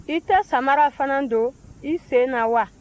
i tɛ sabara fana don i sen na wa